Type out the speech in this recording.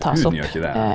huden gjør ikke det.